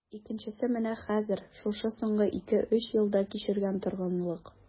Икенчесе менә хәзер, шушы соңгы ике-өч елда кичергән торгынлык...